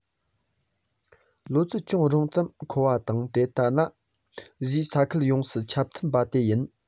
ལོ ཚད ཅུང རིང ཙམ མཁོ བ དང དེ ལྟ ན གཟོད ས ཁུལ ཡོངས སུ ཁྱབ ཐུབ པ དེ ཡིན